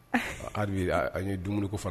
hali bi a ye dumuniko fa